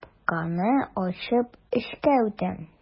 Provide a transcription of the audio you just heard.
Капканы ачып эчкә үтәм.